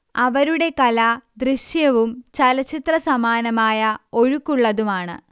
അവരുടെ കല ദൃശ്യവും ചലച്ചിത്രസമാനമായ ഒഴുക്കുള്ളതുമാണ്